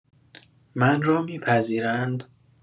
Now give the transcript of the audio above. من را می‌پذیرند؟